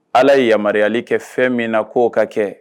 Ala ye yamaruyali kɛ fɛn min na k'o ka kɛ